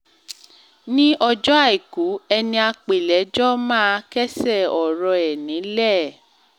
Ní ọjọ́ Àìkú, ẹniapèlẹ́jọ́ máa kẹ́sẹ̀ ọ̀rọ̀ ẹ̀ nílẹ̀